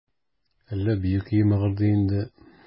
Әллә бию көе мыгырдый инде?